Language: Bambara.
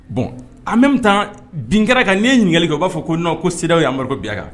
Bɔn an bɛ taa bin kɛra ka' ye ɲininkali kɛ u b'a fɔ ko n' ko se ye amadu ko biyan kan